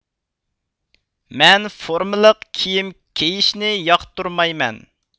مەن فورمىلىق كىيىم كىيىشنى ياقتۇرمايمەن